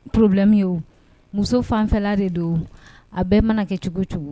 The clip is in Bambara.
Problème ye o muso fanfɛla de don o a bɛɛ mana kɛ cogo cogo